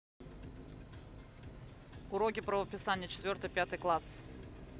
уроки правописания четвертый пятый класс